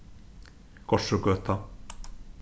gortrugøta